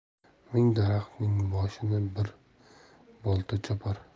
ming daraxtning boshini bir bolta chopar